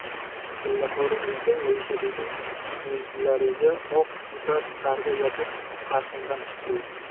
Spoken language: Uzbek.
tillakori uyda oyisha begim yuzlariga oq ipak parda yopib qarshimdan chiqdilar